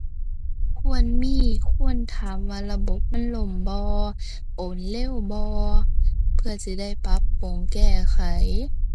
ควรมี ควรถามว่าระบบมันล่มบ่ โอนเร็วบ่ เพื่อสิได้ปรับปรุงแก้ไข